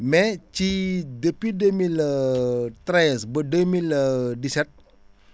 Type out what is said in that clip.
mais ci depuis deux mille treize ba deux mille dix sept